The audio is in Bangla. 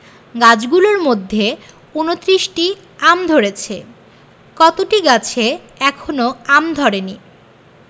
গাছগুলোর মধ্যে ২৯টিতে আম ধরেছে কতটি গাছে এখনও আম ধরেনি